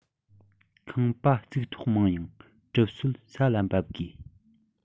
ཁང པ བརྩིགས ཐོག མང ཡང གྲིབ སོ ས ལ འབབ དགོས